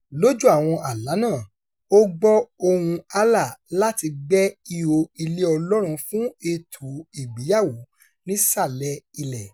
Lójú àwọn àlá náà, ó gbọ́ ohùn-un Allah láti gbẹ́ ihò ilé Ọlọ́run fún ètò ìgbéyàwó nísàlẹ̀ ilẹ̀.